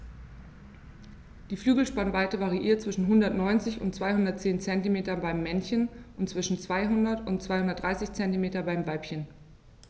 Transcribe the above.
Die Flügelspannweite variiert zwischen 190 und 210 cm beim Männchen und zwischen 200 und 230 cm beim Weibchen.